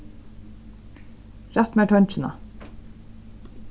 rætt mær tongina